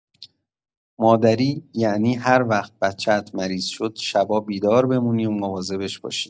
مادری یعنی هر وقت بچه‌ات مریض شد شبا بیدار بمونی و مواظبش باشی.